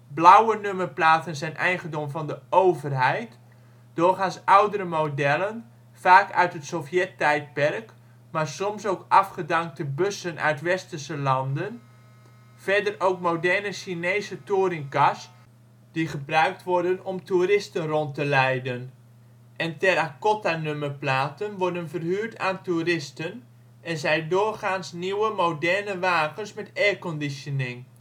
blauwe nummerplaten zijn eigendom van de overheid (doorgaans oudere modellen, vaak uit het Sovjet-tijdperk maar soms ook afgedankte bussen uit westerse landen, verder ook moderne Chinese touringcars die gebruikt worden om toeristen rond te leiden) en terracotta nummerplaten worden verhuurd aan toeristen en zijn doorgaans nieuwe moderne wagens met airconditioning. Zwarte